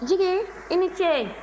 jigi i ni ce